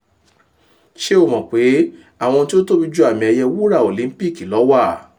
"Ṣé o mọ̀ pé, àwọn ohun tí ó tóbi ju àmì ẹ̀yẹ wúràÒlìńpíìkì lọ wà.